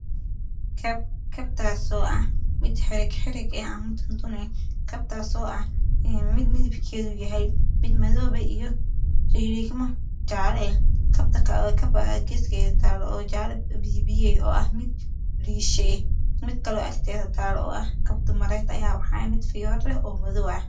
Waa kabo xirigxirig leh midabkeedu waa madow iyo jaale mid kale oo ah kab dumar oo leh fiyoore madow ah.